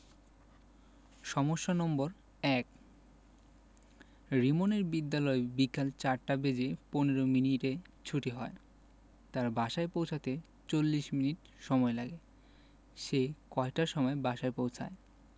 সমস্যা নম্বর ১ রিমনের বিদ্যালয় বিকাল ৪ টা বেজে ১৫ মিনিটে ছুটি হয় তার বাসায় পৌছাতে ৪০ মিনিট সময়লাগে সে কয়টার সময় বাসায় পৌছায়